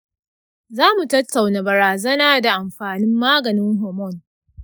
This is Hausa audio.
za mu tattauna barazana da amfanin maganin homon.